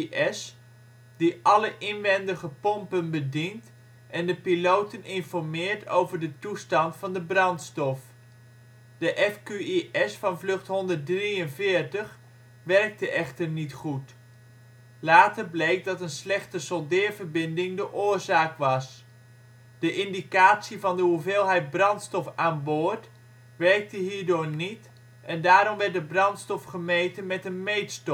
FQIS), die alle inwendige pompen bedient en de piloten informeert over de toestand van de brandstof. De FQIS van vlucht 143 werkte echter niet goed. Later bleek dat een slechte soldeerverbinding de oorzaak was. De indicatie van de hoeveelheid brandstof aan boord werkte hierdoor niet en daarom werd de brandstof gemeten met een meetstok. Deze